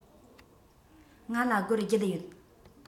ང ལ སྒོར བརྒྱད ཡོད